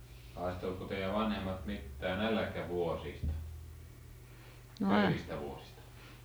haastoivatko teidän vanhemmat mitään nälkävuosista köyhistä vuosista